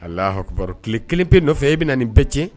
A ha ki kelen pe nɔfɛ e bɛ na nin bɛɛc